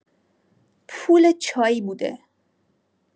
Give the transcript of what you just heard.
پول چایی بوده